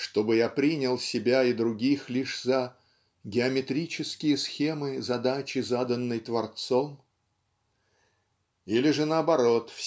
чтобы я принял себя и других лишь за "геометрические схемы задачи заданной Творцом"? Или же наоборот